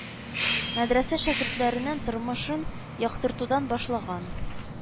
Мәдрәсә шәкертләренең тормышын яктыртудан башлаган